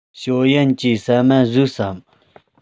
ཞའོ ཡན གྱིས ཟ མ ཟོས ཡོད དམ